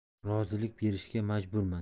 rozilik berishga majburman